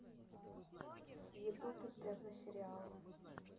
ютуб интерны сериал